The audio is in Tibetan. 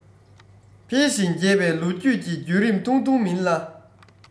འཕེལ ཞིང རྒྱས པའི ལོ རྒྱུས ཀྱི རྒྱུད རིམ ཐུང ཐུང མིན ལ